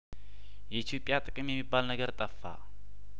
የኢትዮጵያ ጥቅም የሚባል ነገር ጠፋ